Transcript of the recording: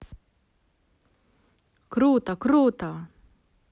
круто круто